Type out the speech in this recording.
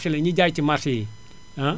pour marché la ñiy jaay ci marché yi